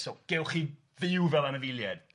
So gewch chi fyw fel anafiliaid.